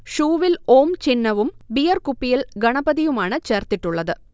ഷൂവിൽ ഓം ചിഹ്നവും ബിയർകുപ്പിയിൽ ഗണപതിയുമാണ് ചേർത്തിട്ടുള്ളത്